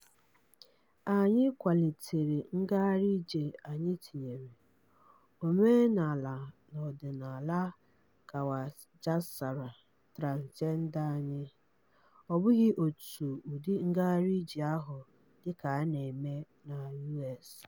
Anyị kwalitere ngagharị ije anyị tinyere omenala na ọdịnala KhawajaSara (transịjenda) anyị, ọ bụghị otu ụdị ngagharị ije ahụ dịka a na-eme na US.